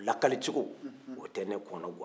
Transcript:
a lakali cogo o tɛ ne kɔnɔ gan